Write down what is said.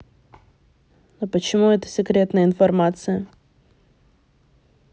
а почему это секретная информация